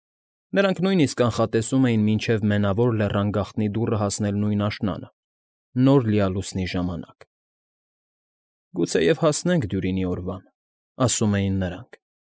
Նրանք նույնիսկ նախատեսում էին մինչև Մենավոր Լեռան գաղտնի դուռը հասնել նույն աշնանը, նոր լիալուսնի ժամանակ։ «Գուցեև հասցնենք Դյուրինի օրվան»,֊ ասում էին նրանք։